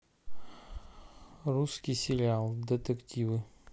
русский сериал детективы